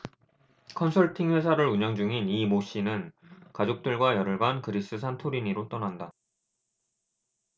컨설팅 회사를 운영 중인 이 모 씨는 가족들과 열흘간 그리스 산토리니로 떠난다